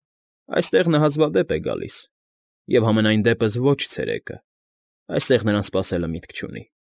Այստեղ նա հազվադեպ է գալիս և համենայն դեպս ոչ ցերեկը, այստեղ նրան սպասելը միտք չունի։